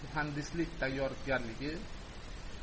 muhandislik tayyorgarligi